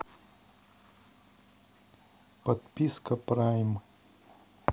подписка прайм